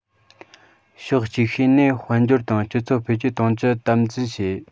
ཕྱོགས ཅིག ཤོས ནས དཔལ འབྱོར དང སྤྱི ཚོགས འཕེལ རྒྱས གཏོང རྒྱུ དམ འཛིན བྱེད